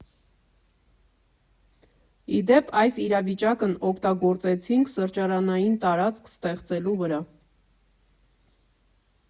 Ի դեպ, այս իրավիճակն օգտագործեցինք սրճարանային տարածք ստեղծելու վրա։